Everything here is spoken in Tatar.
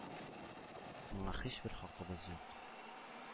Моңа һичбер хакыбыз юк.